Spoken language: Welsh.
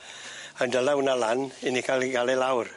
Mae'n dala wnna lan i ni ca'l 'i ga'l e lawr.